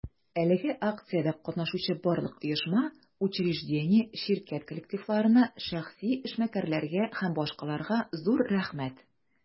Әлеге акциядә катнашучы барлык оешма, учреждение, ширкәт коллективларына, шәхси эшмәкәрләргә һ.б. зур рәхмәт!